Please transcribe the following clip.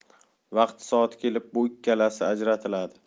vaqti soati kelib bu ikkalasi ajratiladi